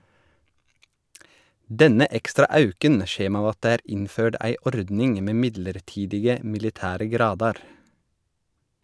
Denne ekstra auken kjem av at det er innførd ei ordning med midlertidige militære gradar.